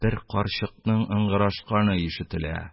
Бер карчыкның ынгырашканы ишетелә